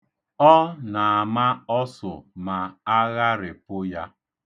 Ọ na-ama ọsụ ma a gharịpụ ya.